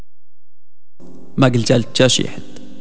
ما قلت شيء